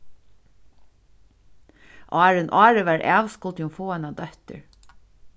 áðrenn árið var av skuldi hon fáa eina dóttur